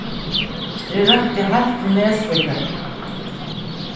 eg rópti heilt til nesvíkar